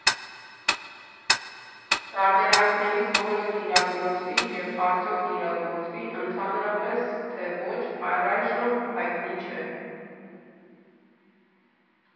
Տարբերակներից որը կիրագործվի, և արդյոք կիրագործվի ընդհանրապես, թե ոչ, առայժմ հայտնի չէ։